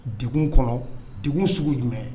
De kɔnɔ de sugu jumɛn ye